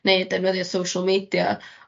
Neu defnyddio social meidia.